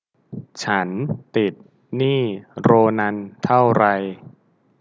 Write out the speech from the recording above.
ฉันติดหนี้โรนันเท่าไร